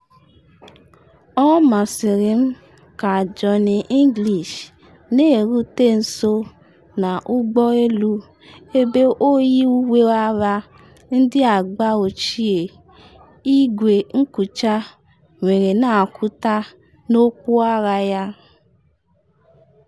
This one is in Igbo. Ọ masịrị m ka Johnny English na-erute nso n’ụgbọ elu ebe oyi uwe agha ndị agba ochie, igwe nkucha were na-akụta n’okpu agha ya.